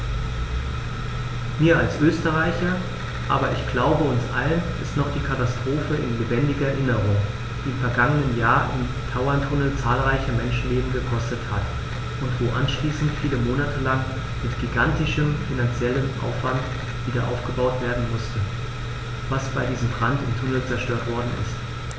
Mir als Österreicher, aber ich glaube, uns allen ist noch die Katastrophe in lebendiger Erinnerung, die im vergangenen Jahr im Tauerntunnel zahlreiche Menschenleben gekostet hat und wo anschließend viele Monate lang mit gigantischem finanziellem Aufwand wiederaufgebaut werden musste, was bei diesem Brand im Tunnel zerstört worden ist.